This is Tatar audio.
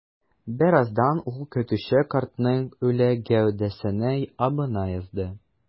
Бераздан ул көтүче картның үле гәүдәсенә абына язды.